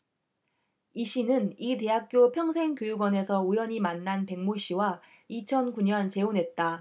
이씨는 이 대학교 평생교육원에서 우연히 만난 백모씨와 이천 구 년 재혼했다